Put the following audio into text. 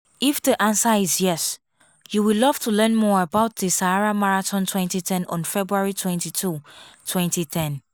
If the answer is `yes`, you will love to learn more about the Sahara Marathon 2010 on February 22, 2010.